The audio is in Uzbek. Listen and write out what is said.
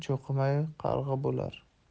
cho'qimay qarg'a bo'lar